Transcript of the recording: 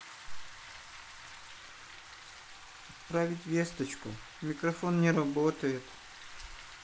отправить весточку микрофон не работает